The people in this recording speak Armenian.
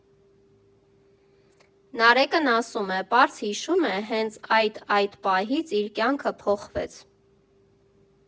Նարեկն ասում է՝ պարզ հիշում է, հենց այդ այդ պահից իր կյանքը փոխվեց։